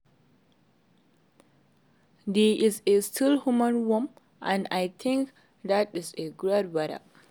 There is still human warmth, and I think that is a great wealth.